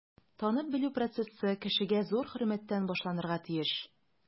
Танып-белү процессы кешегә зур хөрмәттән башланырга тиеш.